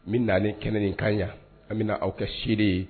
N bɛ nalen kɛnɛ nin ka ɲɛ an bɛna na aw kɛ seliere ye